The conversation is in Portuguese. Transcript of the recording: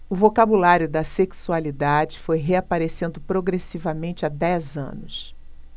o vocabulário da sexualidade foi reaparecendo progressivamente há dez anos